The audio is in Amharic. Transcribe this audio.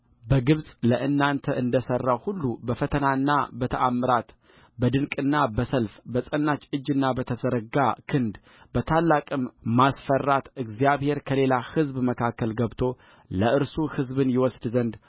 በግብፅ ለእናንተ እንደ ሠራው ሁሉ በፈተናና በተአምራት በድንቅና በሰልፍ በጸናች እጅና በተዘረጋ ክንድ በታላቅም ማስፈራት እግዚአብሔር ከሌላ ሕዝብ መካከል ገብቶ ለእርሱ ሕዝብን ይወስድ ዘንድ